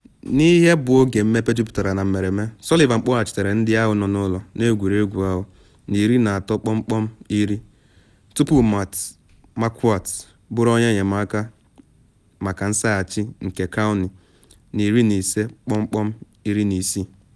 N’ihe bụ oge mmepe juputara na mmereme, Sullivan kpọghachitere ndị ahụ nọ n’ụlọ n’egwuregwu ahụ na 13:10 tupu Matt Marquardt bụrụ onye enyemaka maka nsaghachi nke Cownie na 15:16.